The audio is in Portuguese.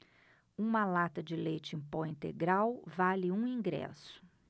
uma lata de leite em pó integral vale um ingresso